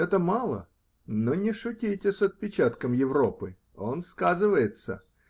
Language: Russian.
Это мало, но не шутите с отпечатком Европы! Он сказывается.